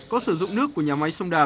có sử dụng nước của nhà máy sông đà